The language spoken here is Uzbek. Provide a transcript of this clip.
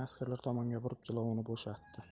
askarlar tomonga burib jilovini bo'shatdi